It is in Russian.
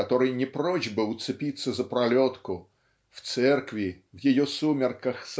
который не прочь бы уцепиться за пролетку в церкви в ее сумерках